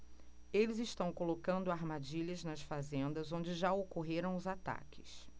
eles estão colocando armadilhas nas fazendas onde já ocorreram os ataques